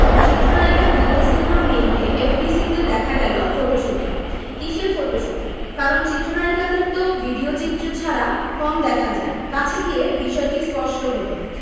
চিত্রনায়িকা বিদ্যা সিনহা মিমকে এফডিসিতে দেখা গেল ফটোশুটে কিসের ফটোশুট কারণ চিত্রনায়িকাদের তো ভিডিওচিত্রে ছাড়া কম দেখা যায় কাছে গিয়ে বিষয়টি স্পষ্ট হলো